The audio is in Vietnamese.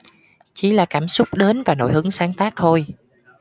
chỉ là cảm xúc đến và nổi hứng sáng tác thôi